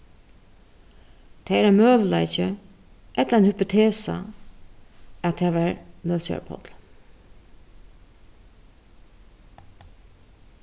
tað er ein møguleiki ella ein hypotesa at tað var nólsoyar páll